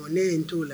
Ne ye t'o la